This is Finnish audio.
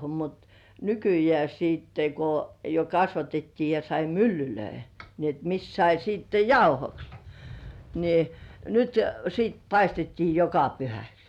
mutta nykyään sitten kun jo kasvatettiin ja sai myllyjä niin että missä sai sitten jauhoksi niin nyt sitten paistettiin joka pyhäksi